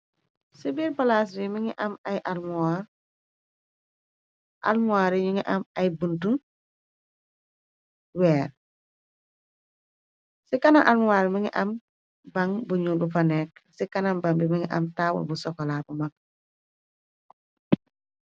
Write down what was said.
Ci biir palaas bi mun ngi am ay almoware. Almoware yu ñu ngi am ay buntu weer. Ci kanam almuwaare mun ngi am bang bu ñyul bufa nekk, ci kanam bang bi mun ngi am taabul bu sokola bu mag.